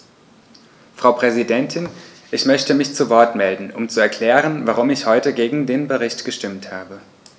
Frau Präsidentin, ich möchte mich zu Wort melden, um zu erklären, warum ich heute gegen den Bericht gestimmt habe.